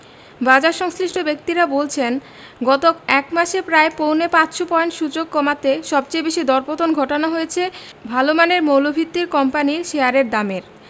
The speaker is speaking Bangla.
বাজারসংশ্লিষ্ট ব্যক্তিরা বলছেন গত এক মাসে প্রায় পৌনে ৫০০ পয়েন্ট সূচক কমাতে সবচেয়ে বেশি দরপতন ঘটানো হয়েছে ভালো মানের মৌলভিত্তির কোম্পানির শেয়ারের দামের